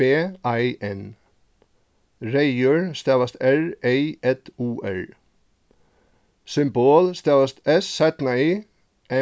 b ei n reyður stavast r ey ð u r symbol stavast s y